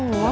đúng